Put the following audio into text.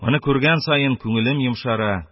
Аны күргән саен, күңелем йомшара,